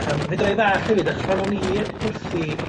yym fedrai ddalld hefyd achos pan o'n i wrthi